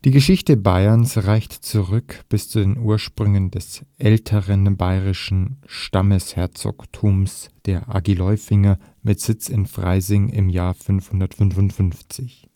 Baierns) reicht zurück bis zu den Ursprüngen des „ älteren baierischen Stammesherzogtums “der Agilolfinger mit Sitz in Freising im Jahr 555